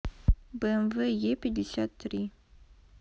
bmw е пятьдесят три